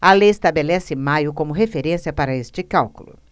a lei estabelece maio como referência para este cálculo